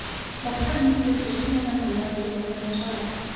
Башта ниндидер чишелмәгән уйлар тулып кайнашалар.